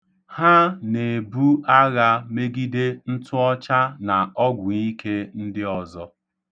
Ha na-ebu agha megide ntụọcha na ọgwụike ndị ozo.